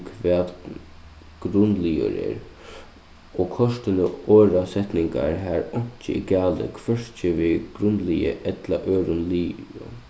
hvat grundliður er og kortini orða setningar har einki er galið hvørki við grundliði ella øðrum liðum